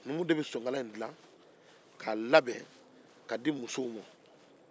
numuw de bɛ sonkala in dila k'a di musow ma